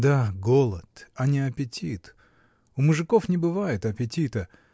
Да, голод, а не аппетит: у мужиков не бывает аппетита.